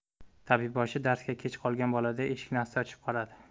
tabibboshi darsga kech qolgan boladay eshikni asta ochib qaradi